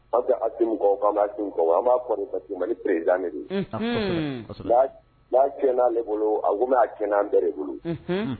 An bɛ a denw' an b'aɔri pamani preere de bolo cɛ n'ale bolo a cɛan bɛɛ bolo